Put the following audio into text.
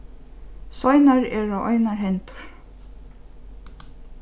seinar eru einar hendur